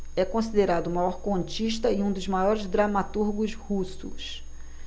é considerado o maior contista e um dos maiores dramaturgos russos